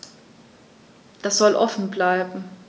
Das soll offen bleiben.